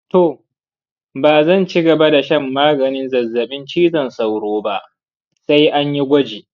toh, ba zan ci gaba da shan maganin zazzaɓin cizon sauro ba sai an yi gwaji.